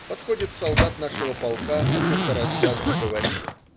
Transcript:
Подходит солдат нашего полка, о чем-то развязно говорит.